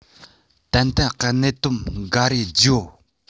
ཏན ཏན གནད དོན འགའ རེ བརྗོད